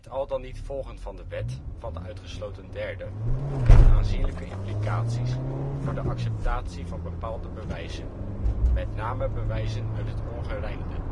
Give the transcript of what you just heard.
al dan niet volgen van de wet van de uitgesloten derde heeft aanzienlijke implicaties voor de acceptatie van bepaalde bewijzen, met name bewijzen uit het ongerijmde